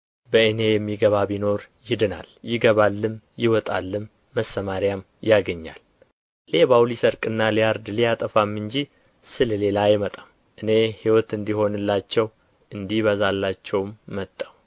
በእኔ የሚገባ ቢኖር ይድናል ይገባልም ይወጣልም መሰማሪያም ያገኛል ሌባው ሊሰርቅና ሊያርድ ሊያጠፋም እንጂ ስለ ሌላ አይመጣም እኔ ሕይወት እንዲሆንላቸው እንዲበዛላቸውም መጣሁ